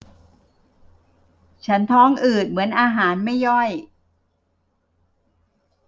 ฉันท้องอืดเหมือนอาหารไม่ย่อย